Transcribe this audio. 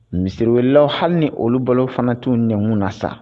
Misiriwlaw hali ni olu bolo fana tun nɛmu na sa